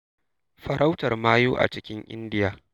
Farautar mayu a cikin Indiya